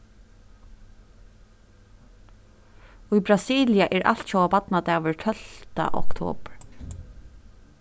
í brasilia er altjóða barnadagur tólvta oktobur